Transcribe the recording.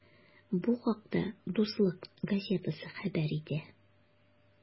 Бу хакта “Дуслык” газетасы хәбәр итә.